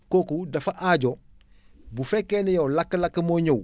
kooku dafa aajo bu fekkee ne yow lakk-lakk moo ñëw